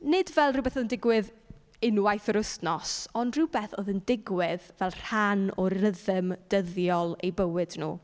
Nid fel rywbeth oedd yn digwydd unwaith yr wythnos, ond rhywbeth oedd yn digwydd fel rhan o rythm dyddiol eu bywyd nhw.